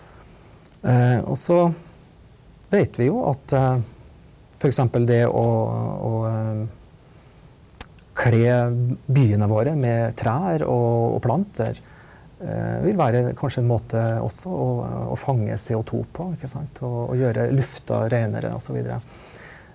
og så vet vi jo at f.eks. det å å kle byene våre med trær og planter vil være kanskje en måte også å å fange CO2 på ikke sant å gjøre lufta reinere og så videre.